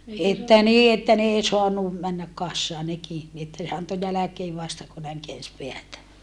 että niin että ne ei saanut mennä kasaan nekin niin että ne antoi jälkeen vasta kun näin käänsi päätä